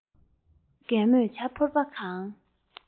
རྒད མོས ཇ ཕོར པ གང